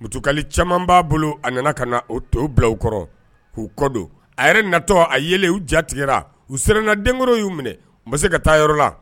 Mutuka caman b'a bolo a nana ka na o to bila u kɔrɔ k'u kɔ don a yɛrɛ natɔ a ye u jatigɛ u serana denkoro y'u minɛ ma se ka taa yɔrɔ la